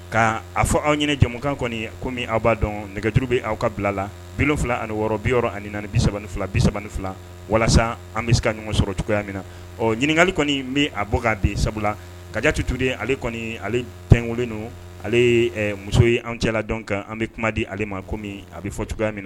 Ka a fɔ anw ɲini jamukan kɔni ko aw b'a dɔn nɛgɛuru bɛ aw ka bila la bi wolonwula ani wɔɔrɔ bi yɔrɔ ani ni bi fila bi3 fila walasa an bɛ se ka ɲɔgɔn sɔrɔ cogoyaya min na ɔ ɲininkaka kɔni min a bɔ k'a bin sabula ka jate tu tun ale kɔni ale ntkolon don ale ye muso ye anw cɛlala dɔn kan an bɛ kuma di ale ma kɔmi a bɛ fɔ cogoya min na